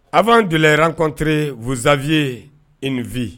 A b'an gɛlɛyararan kɔnte wzsa viyefin